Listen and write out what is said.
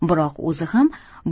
biroq o'zi ham